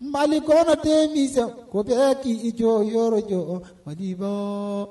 Mali kɔnɔ denmisɛnw ko bɛɛ k'i jɔyɔrɔ jɔ Malibaa